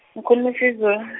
ngikhuluma isiZulu .